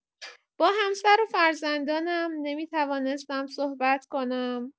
با همسر و فرزندانم نمی‌توانستم صحبت کنم.